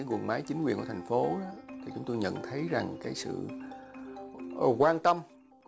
guồng máy chính quyền của thành phố đó thì chúng tôi nhận thấy rằng cái sự quan tâm